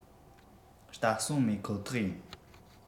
ལྟ སུལ མེད ཁོ ཐག ཡིན